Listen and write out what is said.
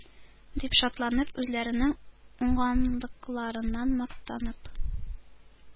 Дип шатланып, үзләренең уңганлыкларыннан мактанып,